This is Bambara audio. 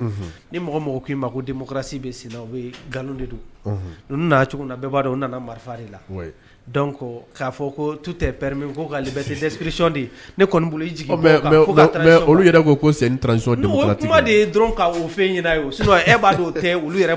Ni cogo' nana marifa la k'a fɔ ko tu tɛ pɛreale de olu yɛrɛ tuma ye e b'a tɛ olu yɛrɛ